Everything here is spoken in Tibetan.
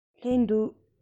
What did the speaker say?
སླེབས འདུག